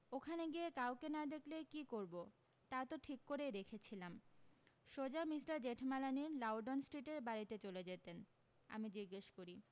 ওখানে গিয়ে কাউকে না দেখলে কী করবো তা তো ঠিক করেই রেখেছিলাম সোজা মিষ্টার জেঠমালানির লাউডন স্ট্রীটের বাড়ীতে চলে যেতেন আমি জিজ্ঞেস করি